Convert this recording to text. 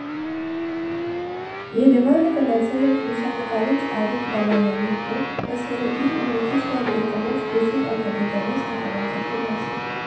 ԵՐԵՎԱՆը գնացել էր լուսանկարիչ Արեգ Բալայանի տուն՝ լսելու իր ու մի քիչ նաև՝ իր կնոջ՝ Լուսին Աթաբեկյանի Ստեփանակերտի մասին։